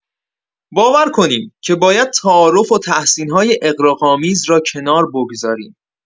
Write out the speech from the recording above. باور کنیم که باید تعارف و تحسین‌های اغراق‌آمیز را کنار بگذاریم.